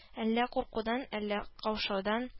Әллә куркудан, әллә каушаудан -